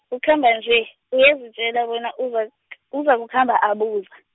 ukhamba nje, uyazitjela bona uzak- uzakukhamba abuza.